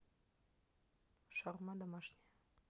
шаурма домашняя